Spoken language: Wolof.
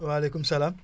waaleykum salaam